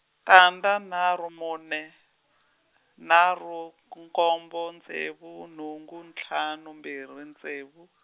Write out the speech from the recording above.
tandza nharhu mune , nharhu, nkombo ntsevu nhungu ntlhanu mbirhi ntsevu.